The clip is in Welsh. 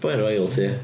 Boi'n royalty ia.